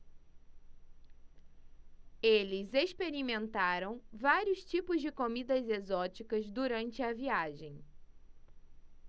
eles experimentaram vários tipos de comidas exóticas durante a viagem